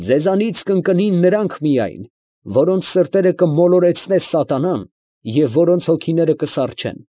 Ձեզանից կընկնին նրանք միայն, որոնց սրտերը կմոլորեցնե սատանան և որոնց հոգիները կսառչեն։